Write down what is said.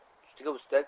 ustiga ustak